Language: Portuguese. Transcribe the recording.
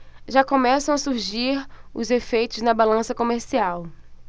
já começam a surgir os efeitos na balança comercial